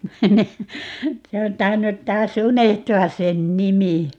se on tainnut taas unohtua sen nimi